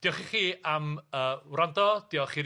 Dioch i chi am yy wrando diolch i...